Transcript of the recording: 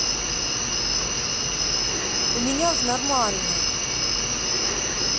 у меня нормально